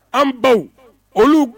An baw olu